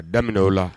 Daminɛ o la